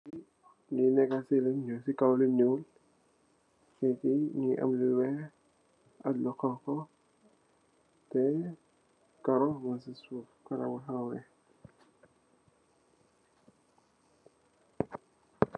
Li nekka ci lu ñuul, ci kaw lu ñuul. Ci fi mungi am lu weeh ak lu honku tè karo mung ci suuf. Karo bu hawa weeh.